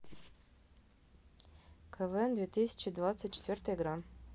квн две тысячи двадцать четвертая игра